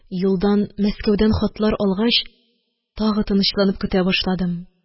Юлдан, Мәскәүдән хатлар алгач, тагы тынычланып көтә башладым.